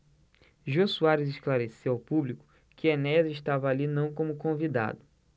jô soares esclareceu ao público que enéas estava ali não como convidado